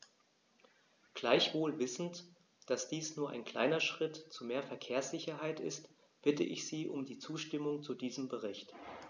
Gleichwohl wissend, dass dies nur ein kleiner Schritt zu mehr Verkehrssicherheit ist, bitte ich Sie um die Zustimmung zu diesem Bericht.